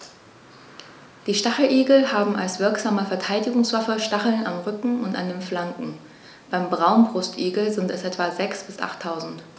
Die Stacheligel haben als wirksame Verteidigungswaffe Stacheln am Rücken und an den Flanken (beim Braunbrustigel sind es etwa sechs- bis achttausend).